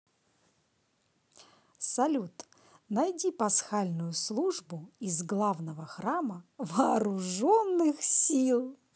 салют найди пасхальную службу из главного храма вооруженных сил